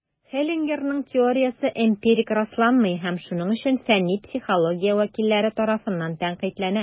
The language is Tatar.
Хеллингерның теориясе эмпирик расланмый, һәм шуның өчен фәнни психология вәкилләре тарафыннан тәнкыйтьләнә.